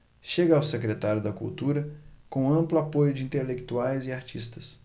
chega a secretário da cultura com amplo apoio de intelectuais e artistas